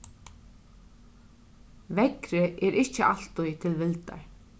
veðrið er ikki altíð til vildar